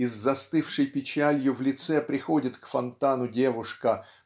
и с застывшей печалью в лице приходит к фонтану девушка